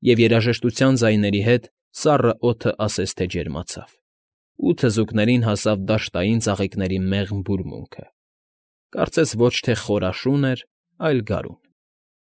Եվ երաժշտության ձայների հետ սառը օդն ասես թե ջերմացավ, ու թզուկներին հասավ դաշտային ծաղիների մեղ բուրմունքը, կարծես ոչ թե խոր աշուն էր, այլ գարուն։